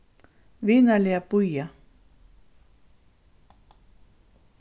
vinarliga bíða